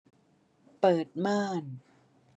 เปิดม่าน